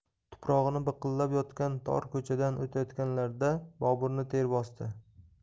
tuprog'i bilqillab yotgan tor ko'chadan o'tayotganlarida boburni ter bosdi